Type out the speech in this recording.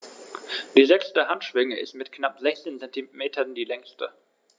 Die sechste Handschwinge ist mit knapp 60 cm die längste.